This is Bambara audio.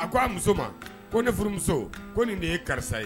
A ko a muso ma ko ne furumuso ko nin de ye karisa ye